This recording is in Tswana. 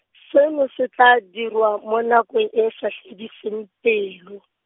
seno se tla dirwa mo nakong e sa fediseng pelo.